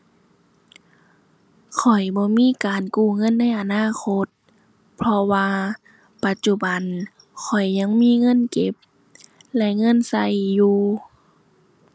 ข้อยบ่มีการกู้เงินในอนาคต เพราะว่าปัจจุบันข้อยยังมีเงินเก็บและเงินใช้อยู่